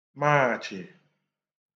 Maāchị̀